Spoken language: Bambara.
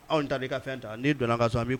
Anw tar'i ka fɛn ta n'i donn'an ka so an b'i